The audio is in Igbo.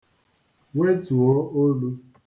wetuo olu